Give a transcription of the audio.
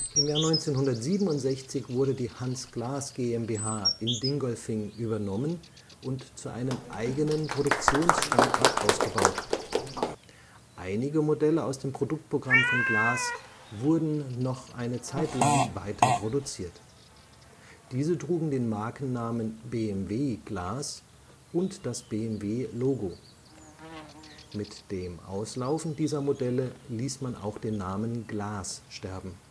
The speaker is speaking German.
1967 wurde die Hans Glas GmbH in Dingolfing übernommen und zu einem eigenen Produktionsstandort ausgebaut. Einige Modelle aus dem Produktprogramm von Glas wurden noch eine Zeit lang weiter produziert. Diese trugen den Markennamen BMW-Glas und das BMW-Logo. Mit dem Auslaufen dieser Modelle ließ man auch den Namen Glas sterben